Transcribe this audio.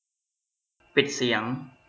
ปิดเสียง